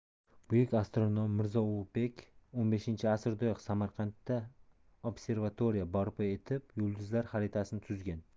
buyuk astronom mirzo ulug'bek xv asrdayoq samarqandda observatoriya barpo etib yulduzlar xaritasini tuzgan